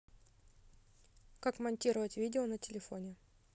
как монтировать видео на телефоне